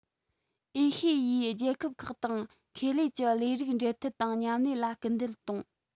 ཨེ ཤ ཡའི རྒྱལ ཁབ ཁག དང ཁེ ལས ཀྱི ལས རིགས འབྲེལ མཐུད དང མཉམ ལས ལ སྐུལ འདེད གཏོང